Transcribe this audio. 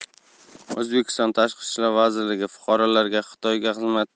o'zbekiston tashqi ishlar vazirligi fuqarolarga xitoyga xizmat